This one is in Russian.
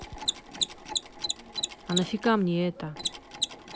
а нафига мне это